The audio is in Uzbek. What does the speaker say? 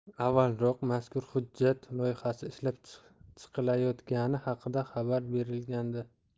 avvalroq mazkur hujjat loyihasi ishlab chiqilayotgani haqida xabar berilgandi